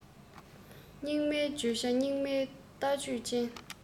སྙིགས མའི བརྗོད བྱ སྙིགས མའི ལྟ སྤྱོད ཅན